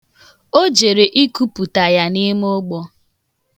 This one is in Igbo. O jere ikupụta ya n'ime ụgbọ.